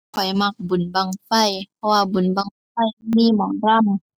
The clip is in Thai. ข้อยมักบุญบั้งไฟ เพราะว่าบุญบั้งไฟมีหมอลำ